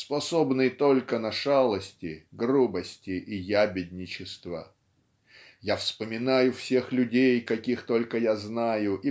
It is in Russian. способный только на шалости грубости и ябедничество. Я вспоминаю всех людей каких только я знаю